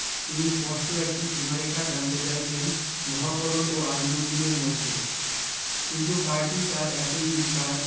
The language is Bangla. তিনি স্পস্ট একটা সীমারেখা টানতে চাইছেন মহাকরণ ও আলিমুদ্দিনের মধ্যে কিন্তু পার্টি তার এতদিন কার